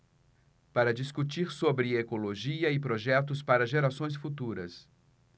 para discutir sobre ecologia e projetos para gerações futuras